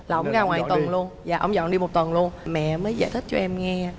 là ông ra ngoài tuần luôn dạ ông dọn đi một tuần luôn mẹ mới giải thích cho em nghe